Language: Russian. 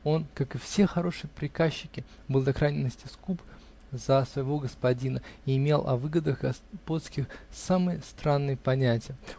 он, как и все хорошие приказчики, был до крайности скуп за своего господина и имел о выгодах господских самые странные понятия.